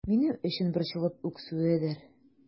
Минем өчен борчылып үксүедер...